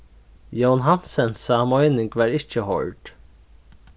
jón hansensa meining varð ikki hoyrd